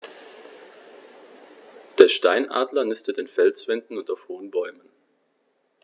Der Steinadler nistet in Felswänden und auf hohen Bäumen.